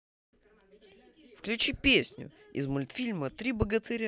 включи песню из мультфильма три богатыря